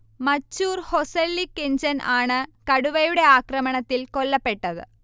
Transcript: മച്ചൂർ ഹൊസള്ളി കെഞ്ചൻ ആണ് കടുവയുടെ ആക്രമണത്തിൽ കൊല്ലപ്പെട്ടത്